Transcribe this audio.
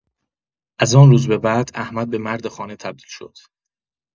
از آن روز به بعد، احمد به مرد خانه تبدیل شد.